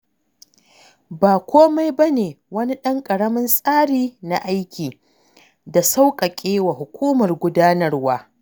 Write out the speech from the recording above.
Ba kome ba ne wani ɗan ƙaramin tsari na aiki, da sauƙaƙe wa hukumar gudanarwa.